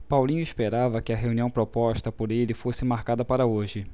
paulino esperava que a reunião proposta por ele fosse marcada para hoje